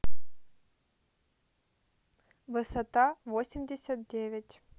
высота восемьдесят девять